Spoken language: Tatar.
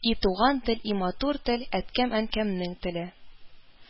“и туган тел, и матур тел, әткәм-әнкәмнең теле